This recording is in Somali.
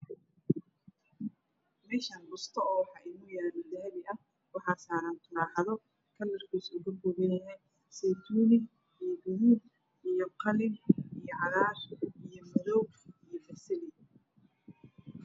Meshan bosto oo waxa inoyalo dahbi ah waxayaran turaxato kalarkisa kakoban seytuuni io gaduud io qalin io cagar io madow io baseli